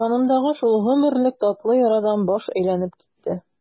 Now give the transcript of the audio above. Җанымдагы шул гомерлек татлы ярадан баш әйләнеп китте.